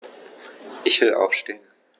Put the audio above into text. Ich will aufstehen.